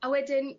a wedyn